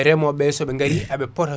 reemoɓeɓe soɓe gari eɓe poota